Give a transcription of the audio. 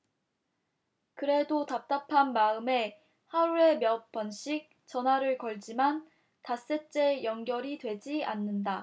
그래도 답답한 마음에 하루에 몇 번씩 전화를 걸지만 닷새째 연결이 되지 않는다